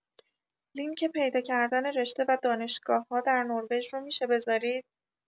لینک پیدا کردن رشته و دانشگاه‌‌ها در نروژ رو می‌شه بذارید؟